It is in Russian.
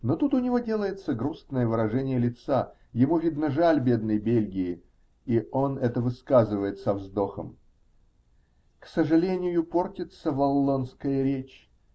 Но тут у него делается грустное выражение лица -- ему, видно, жаль бедной Бельгии, и он это высказывает со вздохом: -- К сожалению, портится валлонская речь.